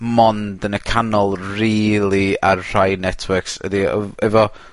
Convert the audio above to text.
mond yn y canol rili ar rhai networks ydi ef- efo